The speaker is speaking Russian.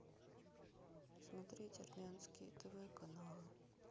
смотреть армянские тв каналы